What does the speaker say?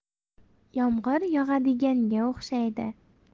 yomg'ir yog'adiganga o'xshaydi